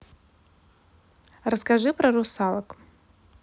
расскажи про русалок